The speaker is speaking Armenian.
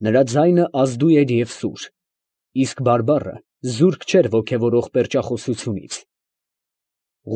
Նրա ձայնը ազդու էր և սուր, իսկ բարբառը զուրկ չէր ոգևորող պերճախոսությունից։